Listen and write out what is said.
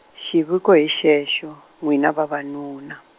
xiviko hi xexo, n'wina vavanuna.